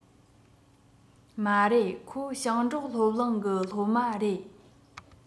མ རེད ཁོ ཞིང འབྲོག སློབ གླིང གི སློབ མ རེད